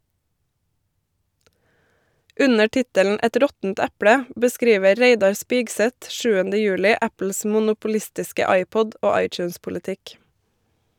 Under tittelen "Et råttent eple" beskriver Reidar Spigseth 7. juli Apples monopolistiske iPod- og iTunes-politikk.